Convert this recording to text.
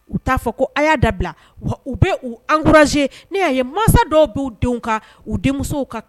U t'a fɔ ko y'a da bila wa u bɛ' anranze ne y'a ye mansa dɔw b' denw kan u denmuso ka